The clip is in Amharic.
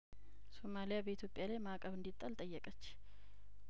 ሶማሊያ በኢትዮጵያ ላይ ማእቀብ እንዲ ጣል ጠየቀች